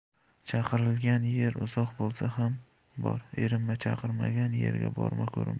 chaqirilgan yer uzoq bo'lsa ham bor erinma chaqirmagan yerga borma ko'rinma